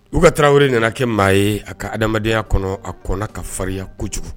U ka tarawelew nana kɛ maa ye a ka adamadenyaya kɔnɔ a kɔnɔ ka farinya kojugu